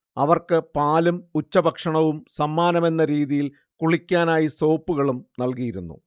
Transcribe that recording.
അവർക്ക് പാലും ഉച്ചഭക്ഷണവും സമ്മാനമെന്ന രീതിയിൽ കുളിക്കാനായി സോപ്പുകളും നൽകിയിരുന്നു